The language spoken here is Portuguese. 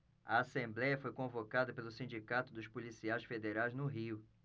a assembléia foi convocada pelo sindicato dos policiais federais no rio